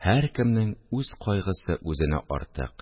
Һәркемнең үз кайгысы үзенә артык